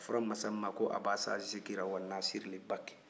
a fɔra masa min ma ko